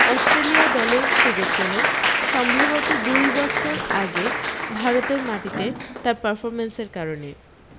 Australia দলে সু্যোগ পেলেন সম্ভবত দুবছর আগে ভারতের মাটিতে তার পারফরম্যান্সের কারণে